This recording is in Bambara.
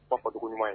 'a fɔ dugu ɲuman ye